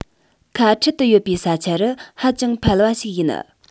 ཁ ཕྲལ དུ ཡོད པའི ས ཆ རུ ཧ ཅང ཕལ བ ཞིག ཡིན